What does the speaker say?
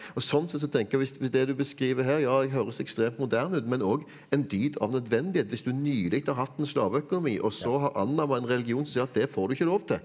og sånn sett så tenker jeg hvis hvis det du beskriver her ja jeg høres ekstremt moderne ut men òg en dyd av nødvendighet hvis du nylig har hatt en slaveøkonomi og så har annammet en religion som sier at det får du ikke lov til.